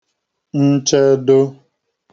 nchedo